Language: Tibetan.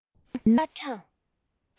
མིན ན སྐར གྲངས